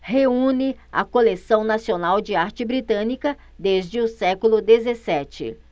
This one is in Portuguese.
reúne a coleção nacional de arte britânica desde o século dezessete